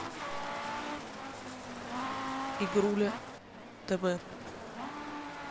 игруля тв